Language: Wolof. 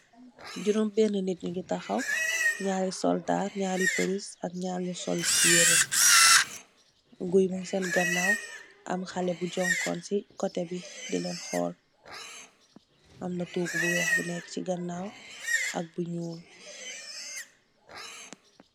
Jouromebeni nit njougi taxaw njari soldar ak njari poles ak njar njusol yeare garab mogisen ganaw am xale boujonkon sene wet dilen xool amna togubou wex bou neke cisen ganawe ak bou njoul